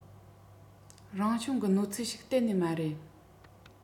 རང བྱུང གི གནོད འཚེ ཞིག གཏན ནས མ རེད